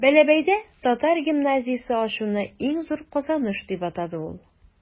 Бәләбәйдә татар гимназиясе ачуны иң зур казаныш дип атады ул.